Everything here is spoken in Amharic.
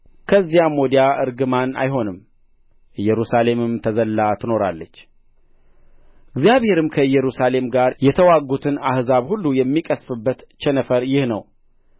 ከዚያም ወዲያ እርግማን አይሆንም ኢየሩሳሌምም ተዘልላ ትኖራለች እግዚአብሔርም ከኢየሩሳሌም ጋር የተዋጉትን አሕዛብ ሁሉ የሚቀሥፍበት ቸነፈር ይህ ነው